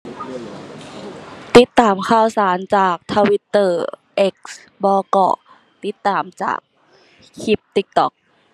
ติดตามข่าวสารจาก Twitter X บ่ก็ติดตามจากคลิป TikTok